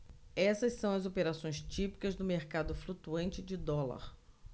essas são as operações típicas do mercado flutuante de dólar